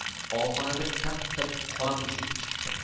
og'ilxonadan katta qora mushuk chiqdi